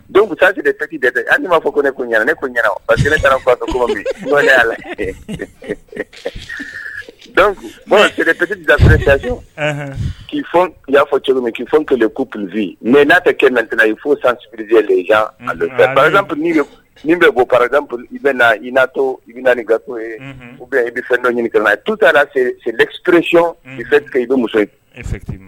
Don bɛtati de taki dɛ hali m'a fɔ ko ne ko ɲa ne ko ɲ min mɔgɔ pa dataj k'i i y'a fɔ cogo min k'i fɛn kelen ku psi mɛ n'a tɛ kɛ nat ye fo sanz ledp min bɛ bɔ padp i bɛ iato i bɛ ni gato ye i bɛ fɛn nɔ ɲininka ye' taararecɔn i bɛ muso ye